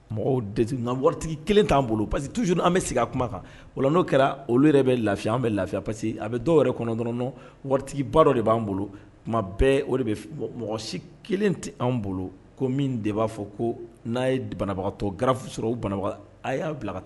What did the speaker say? Mɔgɔ de waritigi kelen t'an bolo pa tu an bɛ sigi a kuma kan wala n'o kɛra olu yɛrɛ bɛ lafi anan bɛ lafiya pa a bɛ dɔw yɛrɛ kɔnɔn dɔrɔn waritigibadɔ de b'an bolo kuma bɛɛ o de mɔgɔ si kelen tɛ'an bolo ko min de b'a fɔ ko n'a ye banabagatɔ ga sɔrɔ o banabaga a y'a bila ka taa